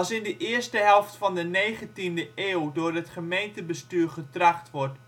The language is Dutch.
in de eerste helft van de 19de eeuw door het gemeentebestuur getracht wordt